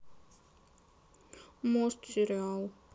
мост сериал